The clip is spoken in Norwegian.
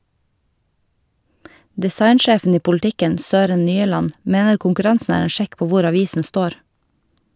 Designsjefen i Politiken Søren Nyeland mener konkurransen er en sjekk på hvor avisen står.